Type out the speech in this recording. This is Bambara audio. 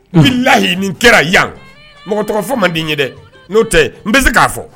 N lahiyiini kɛra yan mɔgɔ tɔgɔ fɔ man' ye dɛ n'o tɛ n bɛ se k'a fɔ